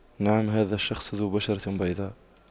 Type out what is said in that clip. نعم هذا الشخص ذو بشرة بيضاء